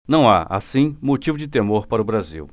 não há assim motivo de temor para o brasil